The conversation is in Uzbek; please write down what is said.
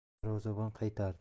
darvozabon qaytardi